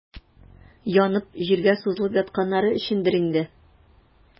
Янып, җиргә сузылып ятканнары өчендер инде.